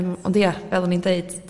yym ond ia fel o'n i'n deud